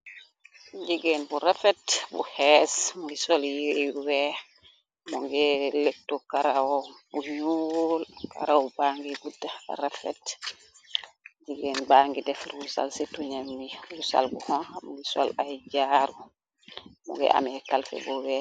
Jigeen bu rafet, bu xees, mui sol yiy weex, mo ngi lektu karaw bu ñuuwul, karaw bangi gudd, rafet, jigeen ba ngi def rusal ci tuna mi, rusal bu xen xam, ngi sol ay jaaru mu ngi amee kalfe bu wee.